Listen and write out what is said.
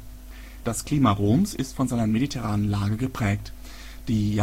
Klima Roms ist von seiner mediterranen Lage geprägt. Die